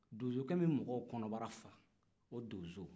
donso kɛ min bɛ maaw kɔnɔbara fa o donso